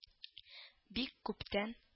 Бик күптән